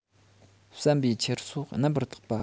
བསམ པའི འཁྱེར སོ རྣམ པར དག པ